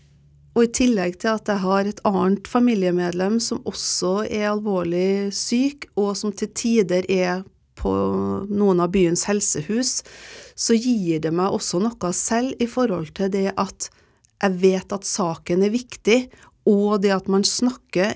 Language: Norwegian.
og i tillegg til at jeg har et annet familiemedlem som også er alvorlig syk og som til tider er på noen av byens helsehus, så gir det meg også noe selv i forhold til det at jeg vet at saken er viktig og det at man snakker.